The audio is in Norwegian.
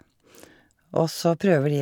Og så prøver de...